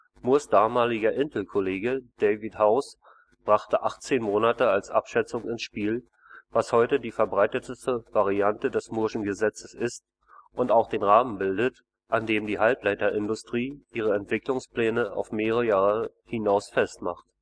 Moores damaliger Intel-Kollege David House brachte 18 Monate als Abschätzung ins Spiel, was heute die verbreitetste Variante des mooreschen Gesetzes ist und auch den Rahmen bildet, an dem die Halbleiterindustrie ihre Entwicklungspläne auf mehrere Jahre hinaus festmacht